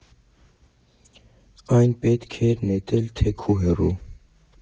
Այն պետք էր նետել թեք ու հեռու։